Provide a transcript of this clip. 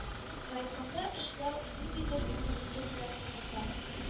Райкомда эшләү ниндидер билгесезлек белән куркыта